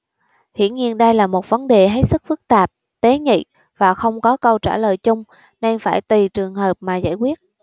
hiển nhiên đây là một vấn đề hết sức phức tạp tế nhị và không có câu trả lời chung nên phải tùy từng trường hợp mà giải quyết